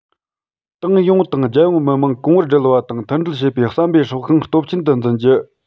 ཏང ཡོངས དང རྒྱལ ཡོངས མི དམངས གོང བུར སྒྲིལ བ དང མཐུན སྒྲིལ བྱེད པའི བསམ པའི སྲོག ཤིང སྟོབས ཆེན དུ འཛིན རྒྱུ